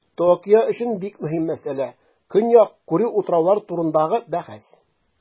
Токио өчен бик мөһим мәсьәлә - Көньяк Курил утраулары турындагы бәхәс.